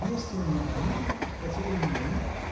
Есть у меня книги, хотя и не мои.